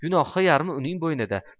gunohhi yarmi uni bo'ynida